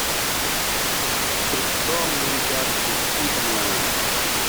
ปิดกล้องวงจรปิดที่ทำงาน